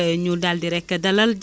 ak département Foundiougne